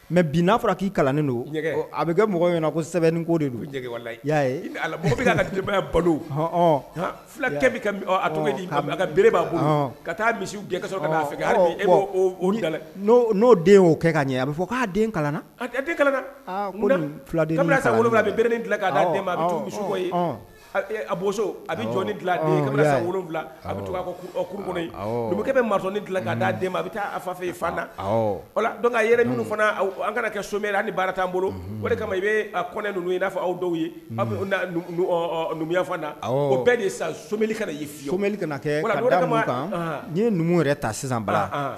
Mɛ bin n'a fɔra k'i kalanlen don a bɛ kɛ mɔgɔ ɲini ko sɛbɛn ko de bɛ'a ka balo filakɛ bɛ di ka bere bolo ka taa misi gɛnka fɛ e n'o den y'o kɛ k'a ɲɛ a bɛ fɔ k'a den kalan filadi sa a bɛ bere ka den misiko ye a bɔso a bɛ jɔn den sa wolonwula a bɛ to kɔnɔ numukɛkɛ bɛ manin dilan ka d'a den a bɛ taa a fa fɛ fanda dɔn yɛrɛ minnu fana an kana kɛ so an ni baara tan bolo walima kama i bɛ kɔnɛ ninnu ye n'a fɔ aw dɔw ye a numuyafanda o bɛɛ de sa so kanaye o kana kɛ da kan nin ye numu yɛrɛ ta sisan bala